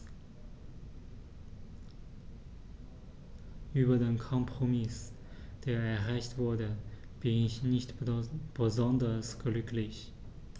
Über den Kompromiss, der erreicht wurde, bin ich nicht besonders glücklich.